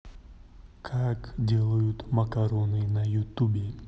как делают макароны на ютубе